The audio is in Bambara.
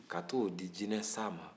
ka t'o di jinɛ sa ma